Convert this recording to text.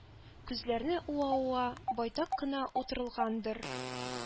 Күзләрне уа-уа байтак кына утырылгандыр.